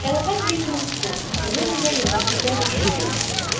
Тәлгать бик моңсу, менә-менә елап җибәрер шикелле.